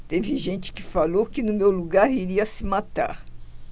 teve gente que falou que no meu lugar iria se matar